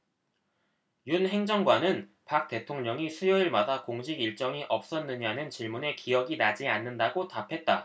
윤 행정관은 박 대통령이 수요일마다 공식일정이 없었느냐는 질문에 기억이 나지 않는다고 답했다